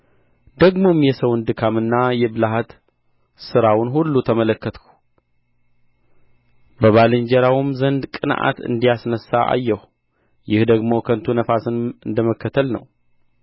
ደግሞም የሰውን ድካምና የብልሃት ሥራውን ሁሉ ተመለከትሁ በባልንጀራውም ዘንድ ቅንዓት እንዲያስነሣ አየሁ ይህም ደግሞ ከንቱ ነፋስንም እንደ መከተል ነው